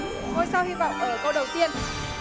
ngôi sao hy vọng ở câu đầu tiên